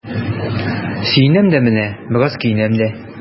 Сөенәм дә менә, бераз көенәм дә.